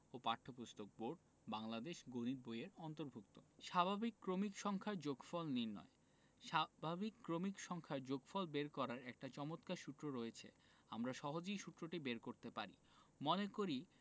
ও পাঠ্যপুস্তক বোর্ড বাংলাদেশ গনিত বইয়ের অন্তরভুক্ত স্বাভাবিক ক্রমিক সংখ্যার যোগফল নির্ণয় স্বাভাবিক ক্রমিক সংখ্যার যোগফল বের করার একটা চমৎকার সূত্র রয়েছে আমরা সহজেই সুত্রটি বের করতে পারি মনে করি